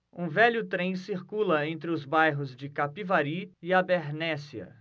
um velho trem circula entre os bairros de capivari e abernéssia